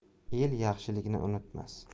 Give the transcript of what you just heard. el yaxshilikni unutmas